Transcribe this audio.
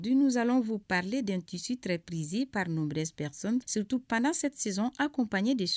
Du nous allons vous parler d'un tissu très prisi par nombreuses personnes surtout pendant cette saison accompagnée de